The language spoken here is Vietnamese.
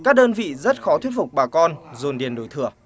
các đơn vị rất khó thuyết phục bà con dồn điền đổi thửa